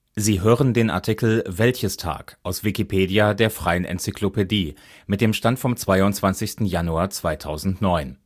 Sie hören den Artikel Wäldchestag, aus Wikipedia, der freien Enzyklopädie. Mit dem Stand vom Der